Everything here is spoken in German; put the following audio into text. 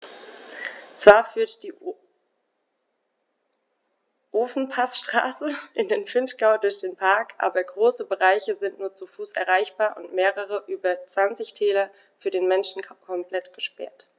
Zwar führt die Ofenpassstraße in den Vinschgau durch den Park, aber große Bereiche sind nur zu Fuß erreichbar und mehrere der über 20 Täler für den Menschen komplett gesperrt.